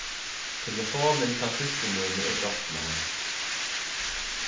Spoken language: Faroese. telefonin hjá systur míni er brotnað